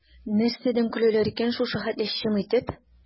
Нәрсәдән көләләр икән шушы хәтле чын итеп?